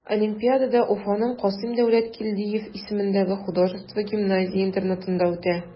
Олимпиада Уфаның Касыйм Дәүләткилдиев исемендәге художество гимназия-интернатында үтә.